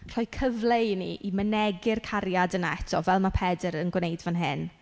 Rhoi cyfle i ni, i mynegi'r cariad yna eto fel ma' Pedr yn gwneud fan hyn.